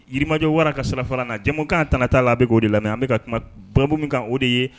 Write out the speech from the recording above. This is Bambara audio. Yirimajɔ wara ka sira fara na jamukan kan t'a la a bɛ k'o la an bɛka ka kuma ba min kan o de ye